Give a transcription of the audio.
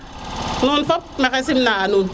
nun fop maxey sim na nun